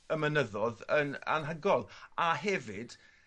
y mynyddodd yn anhygol a hefyd